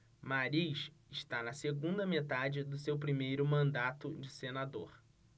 mariz está na segunda metade do seu primeiro mandato de senador